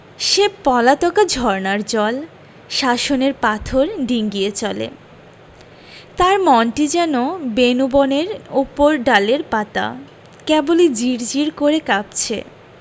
সে পলাতকা ঝরনার জল শাসনের পাথর ডিঙ্গিয়ে চলে তার মনটি যেন বেনূবনের উপরডালের পাতা কেবলি ঝির ঝির করে কাঁপছে